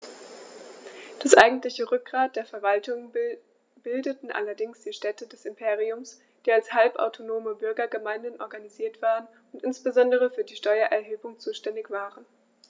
Das eigentliche Rückgrat der Verwaltung bildeten allerdings die Städte des Imperiums, die als halbautonome Bürgergemeinden organisiert waren und insbesondere für die Steuererhebung zuständig waren.